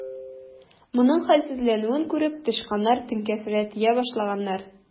Моның хәлсезләнүен күреп, тычканнар теңкәсенә тия башлаганнар.